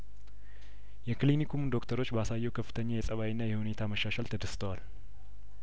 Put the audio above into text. የክሊኒኩም ዶክተሮች ባሳየው ከፍተኛ የጸባይና የሁኔታ መሻሻል ተደስተዋል